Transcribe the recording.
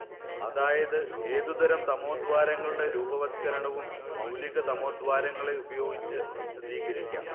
അതായത് ഏതുതരം തമോദ്വാരങ്ങളുടെ രൂപവത്കരണവും മൗലികതമോദ്വാരങ്ങളെ ഉപയോഗിച്ച് വിശദീകരിക്കാം